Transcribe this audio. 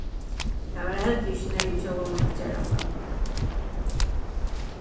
tað var heldur ikki neyðugt hjá honum at gera hatta